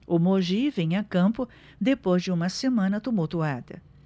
o mogi vem a campo depois de uma semana tumultuada